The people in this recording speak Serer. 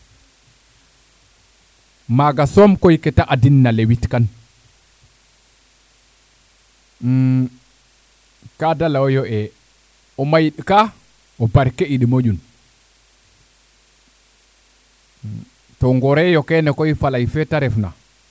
maaga soom koy kete adin na lewit kan kaade ley'oye o mayiɗ kaa a barke id moƴun to ngere yo keene koy faley fe te ref na